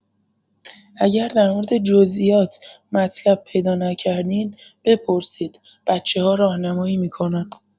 اگر در مورد جزییات مطلب پیدا نکردین، بپرسید، بچه‌ها راهنمایی می‌کنن.